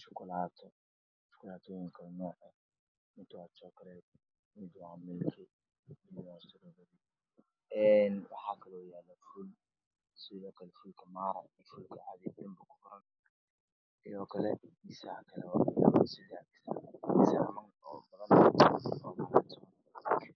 shukulaato shukulaatooyin kala nooc eh mid waa chuculate Mid waa milk mid waa strawberry een waxaa kaloo yaala fuul fuulka cadi ka eh iyo kan klle iyo saagooyin, suudad iyo sigsaaman oo kolofis eh